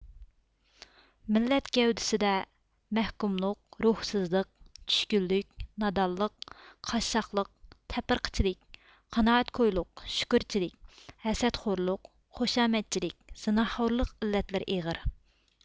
مىللەت گەۋدىسىدە مەھكۇملۇق روھسىزلىق چۈشكۈنلۈك نادانلىق قاششاقلىق تەپرىقىچىلىك قانائەتكويلۇق شۈكرىچىلىك ھەسەتخورلۇق خۇشامەتچىلىك زىناخورلۇق ئىللەتلىرى ئېغىر